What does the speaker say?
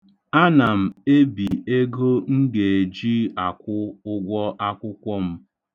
Ana m ebi ego m ga-eji akwụ ụgwọ akwụkwọ m.